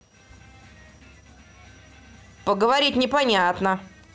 по говорить не понятно